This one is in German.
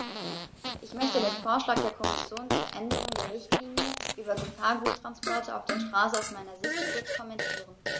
Ich möchte den Vorschlag der Kommission zur Änderung der Richtlinie über Gefahrguttransporte auf der Straße aus meiner Sicht kurz kommentieren.